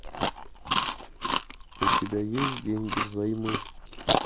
у тебя есть деньги взаймы